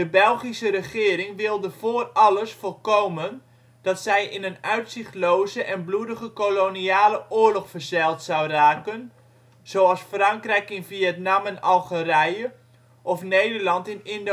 Belgische regering wilde voor alles voorkomen dat zij in een uitzichtloze en bloedige koloniale oorlog verzeild zou raken, zoals Frankrijk in Vietnam en Algerije of Nederland in